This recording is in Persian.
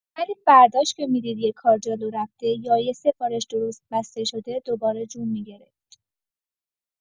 ولی فرداش که می‌دید یه کار جلو رفته یا یه سفارش درست بسته شده، دوباره جون می‌گرفت.